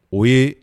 O ye